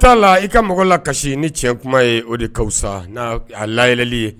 t' la i ka mɔgɔ la kasi ni cɛ kuma ye o de ka sa a layli ye